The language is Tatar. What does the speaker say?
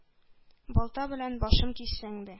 Балта белән башым киссәң дә.